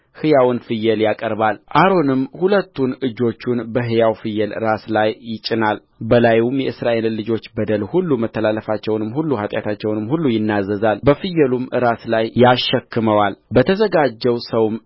ሕያውን ፍየል ያቀርባልአሮንም ሁለቱን እጆቹን በሕያው ፍየል ራስ ላይ ይጭናል በላዩም የእስራኤልን ልጆች በደል ሁሉ መተላለፋቸውንም ሁሉ ኃጢአታቸውንም ሁሉ ይናዝዛል በፍየሉም ራስ ላይ ያሸክመዋል በተዘጋጀው ሰውም